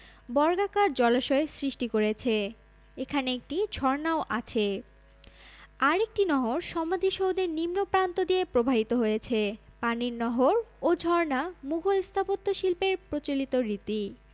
বর্গাকার জলাশয়ের সৃষ্টি করেছে এখানে একটি ঝর্ণাও আছে আর একটি নহর সমাধিসৌধের নিম্ন প্রান্ত দিয়ে প্রবাহিত হয়েছে পানির নহর ও ঝর্ণা মুগল স্থাপত্য শিল্পের প্রচলিত রীতি